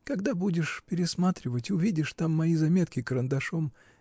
— Когда будешь пересматривать, увидишь там мои заметки карандашом